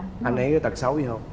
anh ấy có tật xấu gì hông